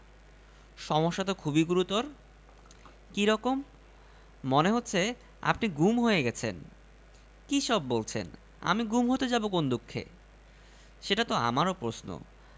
দুপুরের মধ্যে মন্ত্রী মহোদয় নিশ্চিত হলেন বড় কোনো গন্ডগোল হয়ে গেছে তিনি মাথায় হাত দিয়ে ভাবতে বসলেন এবার নিজেই নিজের মাথার স্পর্শ অনুভব করলেন না